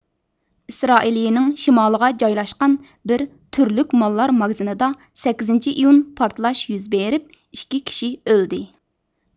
ئىسرائىلىيىنىڭ شىمالىغا جايلاشقان بىر تۈرلۈك ماللار ماگىزىنىدا سەككىزىنچى ئىيۇن پارتلاش يۈز بېرىپ ئىككى كىشى ئۆلدى